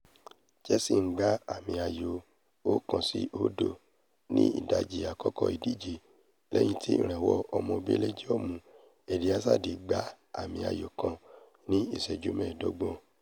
Chelsea ń gbá àmi ayò 1-0 ní ìdajì àkókò ìdíje lẹ́yìn tí ìràwọ̀ ọmọ Bẹlijiọmu Eden Hazard gbá àmi ayò kan ní ìṣẹ́jú mẹ́ẹ̀dọ́gbọ̀n.